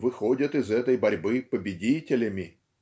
выходят из этой борьбы победителями.